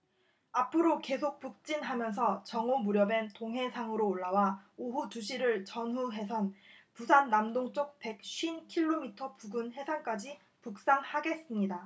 앞으로 계속 북진하면서 정오 무렵엔 동해상으로 올라와 오후 두 시를 전후해선 부산 남동쪽 백 쉰 킬로미터 부근 해상까지 북상하겠습니다